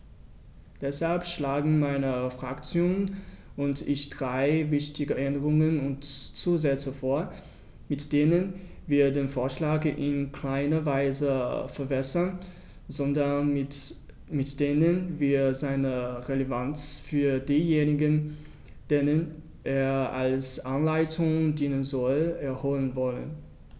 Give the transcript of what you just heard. Deshalb schlagen meine Fraktion und ich drei wichtige Änderungen und Zusätze vor, mit denen wir den Vorschlag in keiner Weise verwässern, sondern mit denen wir seine Relevanz für diejenigen, denen er als Anleitung dienen soll, erhöhen wollen.